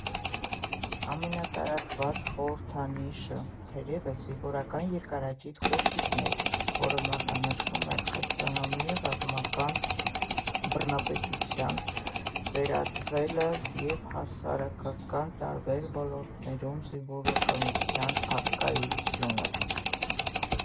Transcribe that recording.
Ամենատարածված խորհրդանիշը թերևս զինվորական երկարաճիտ կոշիկն էր, որ մատնանշում էր ԽՍՀՄ ռազմական բռնապետության վերածվելը և հասարակական տարբեր ոլորտներում զինվորականության առկայությունը։